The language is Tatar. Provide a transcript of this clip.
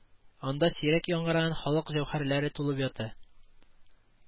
Анда сирәк яңгыраган халык җәүһәрләре тулып ята